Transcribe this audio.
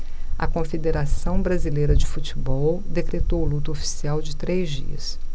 a confederação brasileira de futebol decretou luto oficial de três dias